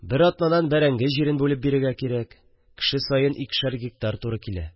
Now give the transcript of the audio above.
Бер атнадан бәрәңге җирен бүлеп бирергә кирәк, кеше саен икешәр гектар туры килә